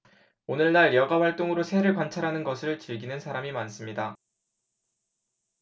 오늘날 여가 활동으로 새를 관찰하는 것을 즐기는 사람이 많습니다